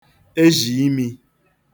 ezhìimī